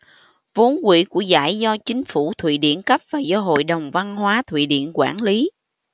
vốn quỹ của giải do chính phủ thụy điển cấp và do hội đồng văn hóa thụy điển quản lý